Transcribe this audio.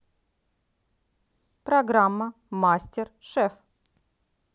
программа мастер шеф